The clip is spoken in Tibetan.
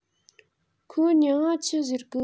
ཁོའི མྱིང ང ཆི ཟེར གི